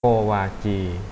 โกวาจี